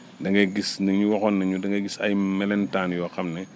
da ngay gis nit ñu waxoon nañ ñu da ngay gis ay melentaan yoo xam ne